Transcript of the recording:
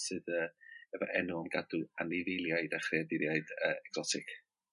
sydd yy efo enw am gadw anifeiliaid a chreaduriaid yy egsotig.